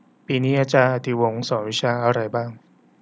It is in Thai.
ปีนี้อาารย์อติวงศ์สอนวิชาอะไรบ้าง